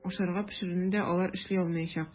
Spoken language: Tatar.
Ашарга пешерүне дә алар эшли алмаячак.